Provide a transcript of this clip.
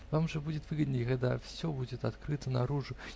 Вам же будет выгоднее, когда всё будет открыто, наружу.